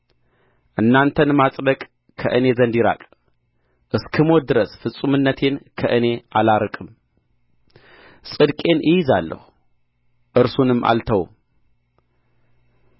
እናንተን ማጽደቅ ከእኔ ዘንድ ይራቅ እስክሞት ድረስ ፍጹምነቴን ከእኔ አላርቅም ጽድቄን እይዛለሁ እርሱንም አልተውም